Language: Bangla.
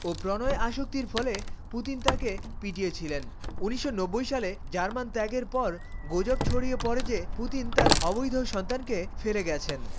ও প্রণয় আসক্তির ফলে পুতিন তাকে পিটিয়ে ছিলেন হাজার ৯৯০ সালে জার্মান ত্যাগের পর গুজব ছড়িয়ে পড়ে যে পুতিন তার অবৈধ সন্তানকে ফেলে গেছেন